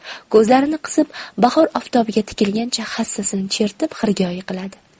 ko'zlarini qisib bahor oftobiga tikilgancha hassasini chertib xirgoyi qiladi